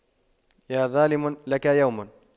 يا ظالم لك يوم